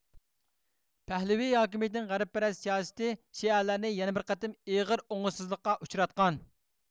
پەھلىۋى ھاكىمىيىتىنىڭ غەربپەرەس سىياسىتى شىئەلەرنى يەنە بىر قېتىم ئېغىر ئوڭۇشسىزلىققا ئۇچراتقان